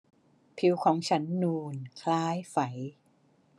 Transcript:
ผิวของฉันนูนคล้ายไฝ